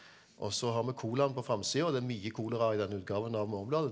og så har vi koleraen på framsida og det er mye kolera i denne utgaven av Morgenbladet.